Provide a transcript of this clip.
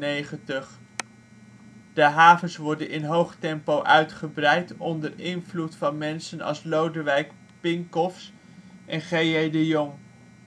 1895. De havens worden in hoog tempo uitgebreid, onder invloed van mensen als Lodewijk Pincoffs en G.J. de Jongh.